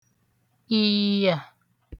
ị̀yị̀yà